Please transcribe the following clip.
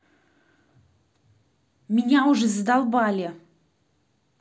меня уже задолбали